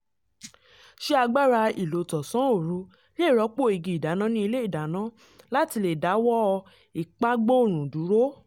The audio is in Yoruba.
"Ṣé agbára ìlòtànsán-òòrùn lè rọ́pò igi ìdáná ní ilé-ìdáná láti lè dáwọ́ ìpagbórun dúró?"